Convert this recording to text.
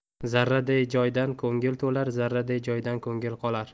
zarraday joydan ko'ngil to'lar zarraday joydan ko'ngil qolar